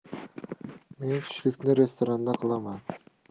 men tushlikni restoranda qilaman